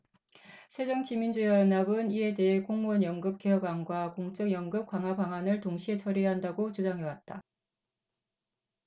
새정치민주연합은 이에 대해 공무원연금 개혁안과 공적연금 강화방안을 동시에 처리해야 한다고 주장해왔다